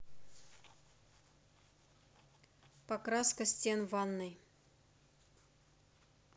покраска стен в ванной